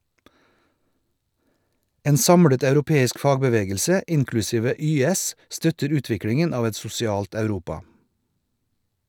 En samlet europeisk fagbevegelse, inklusive YS, støtter utviklingen av et sosialt Europa.